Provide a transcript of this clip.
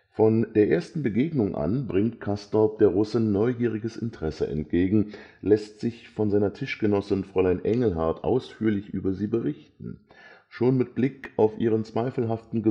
Von der ersten Begegnung an bringt Castorp der Russin neugieriges Interesse entgegen, lässt sich von seiner Tischgenossin Frl. Engelhart ausführlich über sie berichten. Schon mit Blick auf ihren zweifelhaften